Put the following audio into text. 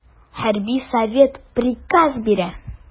Хәрби совет приказ бирә.